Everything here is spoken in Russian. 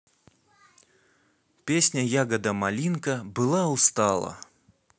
песня ягода малинка была устала